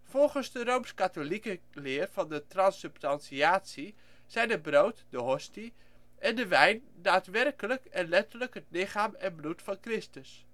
Volgens de rooms-katholieke leer van de transsubstantiatie zijn het brood (de hostie) en de wijn daadwerkelijk en letterlijk het lichaam en bloed van Christus